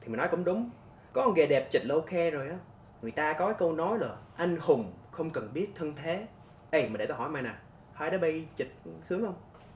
thì mày nói cũng đúng có con ghẹ đẹp chịch là ô kê rồi á người ta á có cái câu nói là anh hùng không cần biết thân thế ầy mà để tao hỏi mày này hai đứa bây chịch sướng không